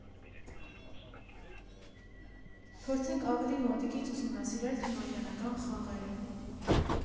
Փորձենք ավելի մոտիկից ուսումնասիրել թումանյանական խաղերը։